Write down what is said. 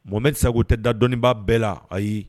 Mɔme sago tɛ da dɔnniinbaa bɛɛ la ayi